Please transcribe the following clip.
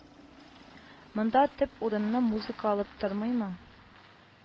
Монда төп урынны музыка алып тормыймы